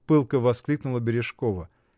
— пылко воскликнула Бережкова.